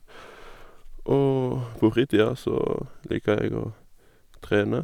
Og på fritida så liker jeg å trene.